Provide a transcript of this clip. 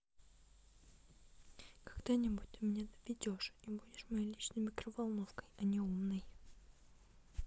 когда нибудь ты меня доведешь и будешь моей личной микроволновкой а не умной